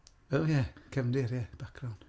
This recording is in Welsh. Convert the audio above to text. O ie, cefndir ie, background.